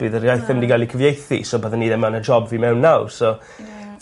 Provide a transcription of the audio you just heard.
bydd yr iaith ddim 'di ga'l 'i cyfieithu so byddwn i ddim yn y job fi mewn nawr so. Ie.